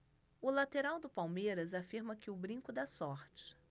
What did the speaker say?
o lateral do palmeiras afirma que o brinco dá sorte